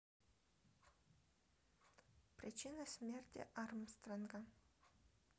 причины смерти армстронга